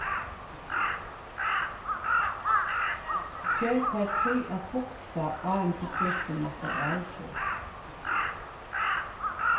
gev tær tíð at hugsa áðrenn tú tekur nakra avgerð